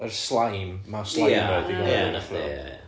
yr slime ma' Slimer 'di cael ei neud allan o